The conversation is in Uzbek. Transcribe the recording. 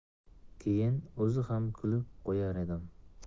keyin o'zi ham kulib qo'yar edim